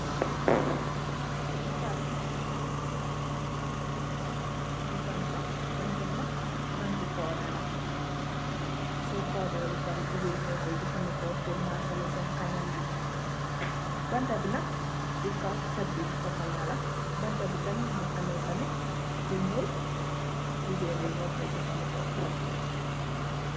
Bagaas la, muy banta, banta bi nak, banti powder la, so powder yeah ba parè jigéen yi nu koy jafadeko purr masalè senn kanam bi. Banta bi nak ci kaw chat bi bu sokola la, banta bi tamit mungi ameh tamit lu ñuul, jigéen yi nyo koy jafadeko.